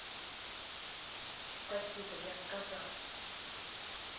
спасибо я сказал